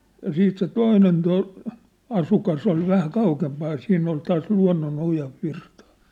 ja sitten se toinen - asukas oli vähän kauempaa ja siinä oli taas luonnonoja virtaa